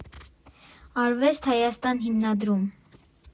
Արվեստ Հայաստան Հիմնադրամ։